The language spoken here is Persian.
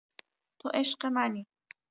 تو عشق منی